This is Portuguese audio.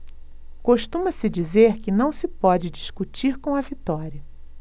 costuma-se dizer que não se pode discutir com a vitória